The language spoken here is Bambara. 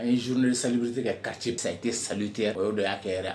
A ye zurue saliuru tɛ kɛ ka cɛ fisa i tɛ sa selilu tɛ o y' dɔ y'a kɛɛrɛ